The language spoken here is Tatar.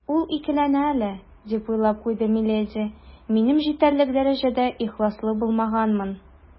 «ул икеләнә әле, - дип уйлап куйды миледи, - минем җитәрлек дәрәҗәдә ихласлы булмаганмын».